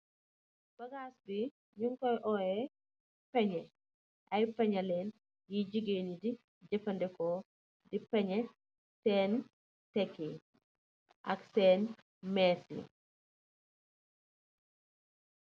Bagass bii njung koiy oyeh pehnjeh, aiiy pehnjeh len yii gigain yii dii jeufandaekor dii pehnjeh sen tek yii ak sen meeche yii.